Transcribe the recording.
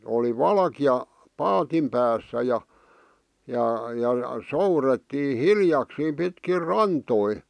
oli valkea paatin päässä ja ja ja soudettiin hiljakseen pitkin rantoja